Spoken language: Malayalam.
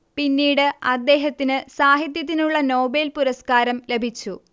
പിന്നീട് അദ്ദേഹത്തിന് സാഹിത്യത്തിനുള്ള നോബേൽ പുരസ്കാരം ലഭിച്ചു